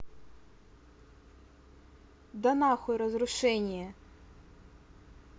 да нахуй разрушение